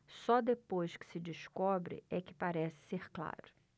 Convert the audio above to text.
só depois que se descobre é que parece ser claro